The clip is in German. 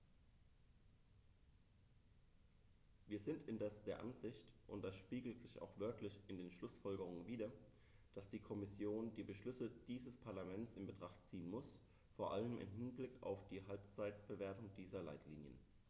Wir sind indes der Ansicht und das spiegelt sich auch wörtlich in den Schlussfolgerungen wider, dass die Kommission die Beschlüsse dieses Parlaments in Betracht ziehen muss, vor allem im Hinblick auf die Halbzeitbewertung dieser Leitlinien.